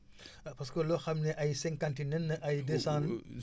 ah parce que loo xam ne ay cinquante nen ay deux cent